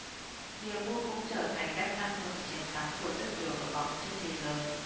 beer boots cũng trở thành cách ăn mừng chiến thắng của rất nhiều đội bóng trên thế giới